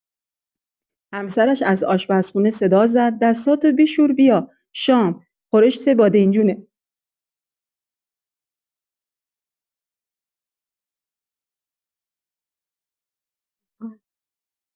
همسرش از آشپزخونه صدا زد: «دستاتو بشور بیا شام، خورشت بادمجونه.»